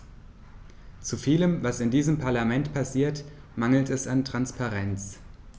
Zu vielem, was in diesem Parlament passiert, mangelt es an Transparenz.